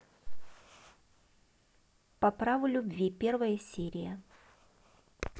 по праву любви первая серия